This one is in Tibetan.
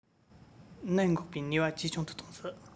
ནད འགོག པའི ནུས པ ཇེ ཆུང དུ གཏོང སྲིད